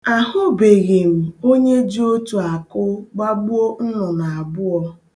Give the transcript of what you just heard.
Ahụbeghị m onye ji otu akụ gbagbuo nnụnụ abụọ.